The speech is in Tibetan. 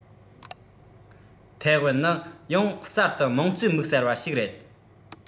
ཐའེ ཝན ནི ཡང གསར དུ དམངས གཙོའི དམིགས བསལ བ ཞིག རེད